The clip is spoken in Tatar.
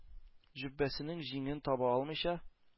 Җөббәсенең җиңен таба алмыйча,